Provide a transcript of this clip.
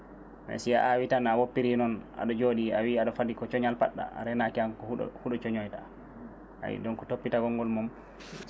mais si a awi tan a woppiri ni noon aɗa jooɗi a wii aɗa faadi ko coñal paɗɗa a renaki tan huuɗo huuɗo coñoyta ayi donc toppitagol ngol moom